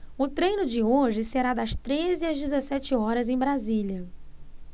o treino de hoje será das treze às dezessete horas em brasília